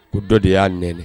Ko dɔ de y'a nɛnɛ